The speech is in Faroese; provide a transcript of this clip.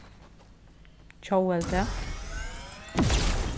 tjóðveldi